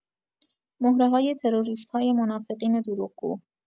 مهره‌های تروریست‌های منافقین دروغگو